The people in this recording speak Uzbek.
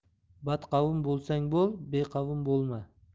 badqavm bo'lsang bo'l beqavm bo'lma